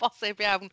Bosib iawn.